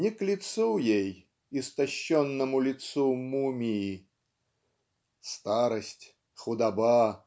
не к лицу ей, истощенному лицу мумии. "Старость худоба